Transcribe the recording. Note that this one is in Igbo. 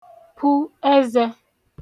pu ẹzẹ̄